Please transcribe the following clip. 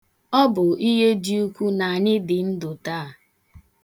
Ọ bụ ihe di ukwu na anyị di ndụ taa.